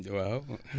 waaw